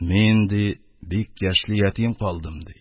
— мин, ди, бик яшьли ятим калдым, ди...